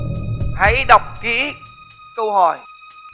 hãy đọc kỹ câu hỏi